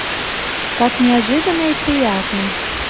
как неожиданно и приятно